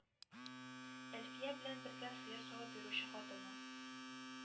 Әлфия белән бергә сыер савып йөрүче хатыны: